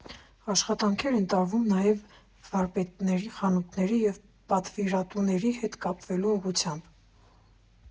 Աշխատանքներ են տարվում նաև վարպետներին խանութների և պատվիրատուների հետ կապելու ուղղությամբ։